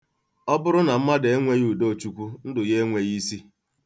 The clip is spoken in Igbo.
Ọ bụrụ na mmadụ enweghị udochukwu, ndụ ya enweghị isi.